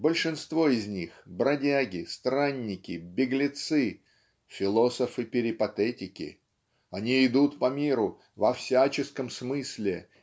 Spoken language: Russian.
Большинство из них, бродяги, странники, беглецы, философы-перипатетики. Они идут по миру, во всяческом смысле